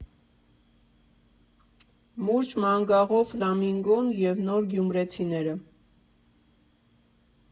Մուրճ ու մանգաղով ֆլամինգոն և նոր գյումրեցիները։